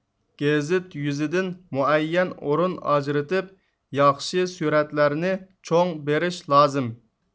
گېزىت يۈزىدىن مۇئەييەن ئورۇن ئاجرىتىپ ياخشى سۈرەتلەرنى چوڭ بېرىش لازىم